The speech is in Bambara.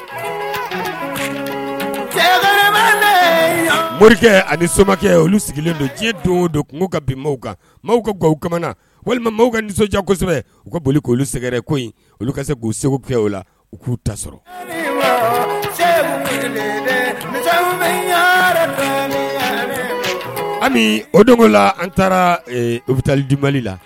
Morikɛ ani sokɛ olu sigilen don diɲɛ don don kungo ka bi mɔgɔw kan walima ka nisɔndiya kosɛbɛ u ka boli k sɛgɛrɛ ko olu ka se k'u segu kɛ la u k'u ta sɔrɔ o la an taara u bɛ taali dibali la